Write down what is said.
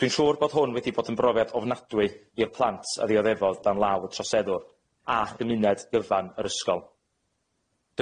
Dwi'n siŵr bod hwn wedi bod yn brofiad ofnadwy i'r plant a ddioddefodd dan law y troseddwr a chymuned gyfan yr ysgol.